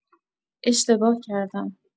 اشتباه کردم.